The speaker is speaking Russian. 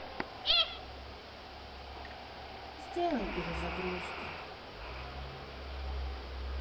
сделай перезагрузку